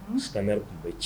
U silamɛ tun bɛ ci